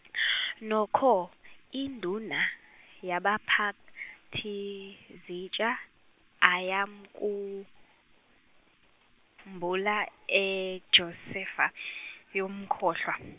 nokho induna yabaphathizitsha ayamkhumbula eJosefa yamkhohlwa.